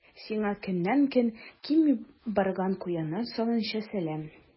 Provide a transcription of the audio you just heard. Сиңа көннән-көн кими барган куяннар санынча сәлам.